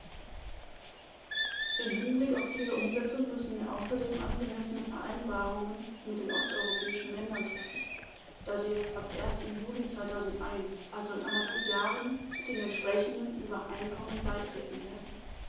Im Hinblick auf diese Umsetzung müssen wir außerdem angemessene Vereinbarungen mit den osteuropäischen Ländern treffen, da sie erst ab 1. Juli 2001, also in anderthalb Jahren, den entsprechenden Übereinkommen beitreten werden.